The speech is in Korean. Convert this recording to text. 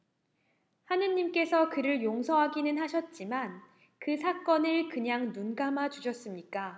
하느님께서 그를 용서하기는 하셨지만 그 사건을 그냥 눈감아 주셨습니까